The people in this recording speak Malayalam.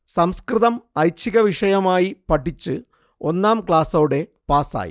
സംസ്കൃതം ഐച്ഛികവിഷയമായി പഠിച്ചു ഒന്നാം ക്ലാസ്സോടെ പാസ്സായി